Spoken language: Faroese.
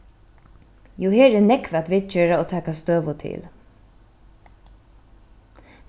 jú her er nógv at viðgerða og taka støðu til